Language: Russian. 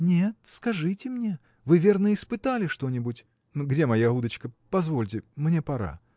– Нет, скажите мне: вы, верно, испытали что-нибудь? – Где моя удочка? Позвольте, мне пора.